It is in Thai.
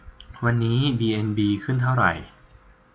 วันนี้บีเอ็นบีขึ้นเท่าไหร่